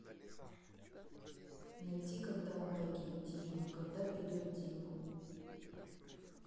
найти когда он погиб дима когда придет дима